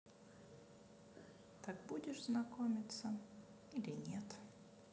так будешь знакомиться или нет